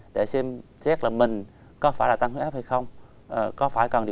để xem xét là mình có phải là tăng huyết áp hay không ờ có phải cần